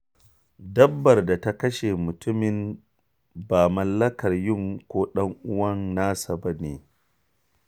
Dabbar da ta kashe mutumin ba mallakar Yuan ko ɗan uwan nasa ba ne.